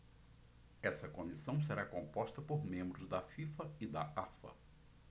essa comissão será composta por membros da fifa e da afa